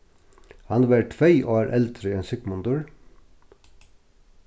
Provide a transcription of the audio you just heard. hann var tvey ár eldri enn sigmundur